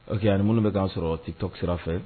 Oke ani minnu bɛ' sɔrɔ tɛ tosira fɛ